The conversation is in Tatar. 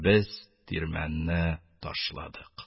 Без тирмәнне ташладык.